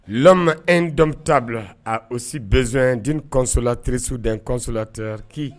lam n dɔ t tabila a o si bɛson den kɔsola kiresiw deso larerriki